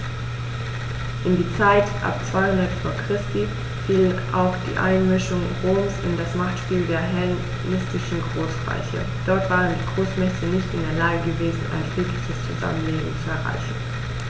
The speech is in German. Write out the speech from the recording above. In die Zeit ab 200 v. Chr. fiel auch die Einmischung Roms in das Machtspiel der hellenistischen Großreiche: Dort waren die Großmächte nicht in der Lage gewesen, ein friedliches Zusammenleben zu erreichen.